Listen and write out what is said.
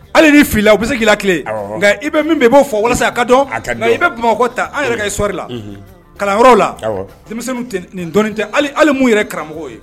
Hali ni filila u bɛ se' la tile nka i bɛ min i b'o fɔ walasa a ka dɔn i bɛ ta an yɛrɛ i sɔɔri la kalanyɔrɔw la nin tɛ hali mun yɛrɛ karamɔgɔ ye